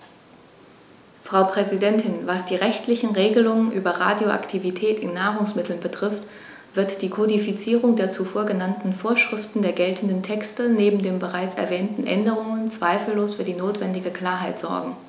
Frau Präsidentin, was die rechtlichen Regelungen über Radioaktivität in Nahrungsmitteln betrifft, wird die Kodifizierung der zuvor genannten Vorschriften der geltenden Texte neben den bereits erwähnten Änderungen zweifellos für die notwendige Klarheit sorgen.